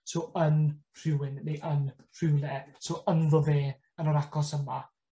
So yn rhywun neu yn rhywle so ynddo fe yn yr acos yma.